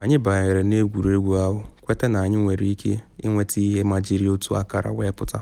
“Anyị banyere egwuregwu ahụ kwete na anyị nwere ike ịnwete ihe ma jiri otu akara wee pụta.